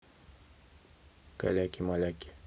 каляки маляки